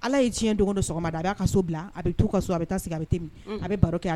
Ala ye tiɲɛ a so sigi baro kɛ